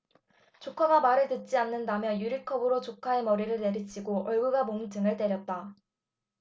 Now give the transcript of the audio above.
조카가 말을 듣지 않는다며 유리컵으로 조카의 머리를 내리치고 얼굴과 몸 등을 때렸다